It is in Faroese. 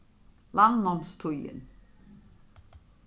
landnámstíðin